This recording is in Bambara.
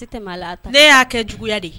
i tɛmɛ a la, ne y'a kɛ juguya de ye